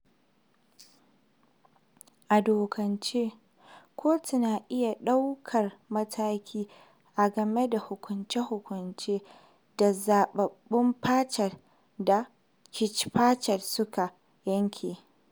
A dokance, kotuna na iya ɗaukar mataki a game da hukunce-hukuncen da zaɓaɓɓun panchayats da caste panchayats suka yanke.